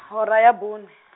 hora ya bone.